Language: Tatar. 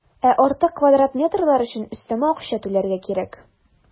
Ә артык квадрат метрлар өчен өстәмә акча түләргә кирәк.